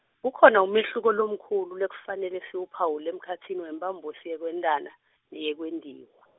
kukhona umehluko lomkhulu lekufanele siwuphawule emkhatsini wemphambosi yekwentena neyekwentiwa.